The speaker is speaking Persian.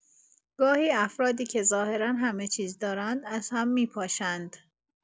گاهی افرادی که ظاهرا همه‌چیز دارند از هم می‌پاشند.